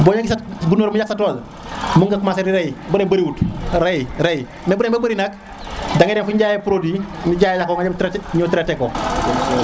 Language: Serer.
bo gise guror mu yank sa tol mën nga commencer di rey bude bëri wul rey rey mais budeme ba bëri nak dengay dem fiñuy jaye produit ñu jaay lako nga dem traiter ñëw traiter:ko